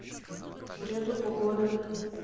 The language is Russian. в среду погода